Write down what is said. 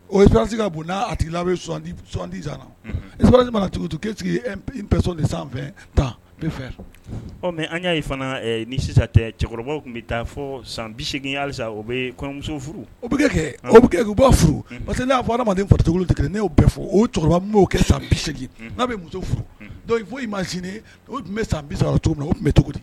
O ka bon' tigidi na mana cogo'sɔn ni san tan fɛ mɛ an y'a fana sisan tɛ cɛkɔrɔba tun bɛ taa fɔ san bisesa omuso furu o bɛ kɛ furu parce que n'a fɔ adamadamadentigiw tigɛ n ne'o bɛɛ fɔ o cɛkɔrɔba b'o kɛ san bise bɛ muso furu fɔ mas o tun bɛ san bisa cogo na o tun bɛ cogo di